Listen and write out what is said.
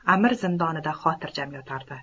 amir zindonida xotirjam yotar edi